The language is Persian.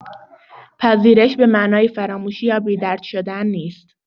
پذیرش به معنای فراموشی یا بی‌درد شدن نیست.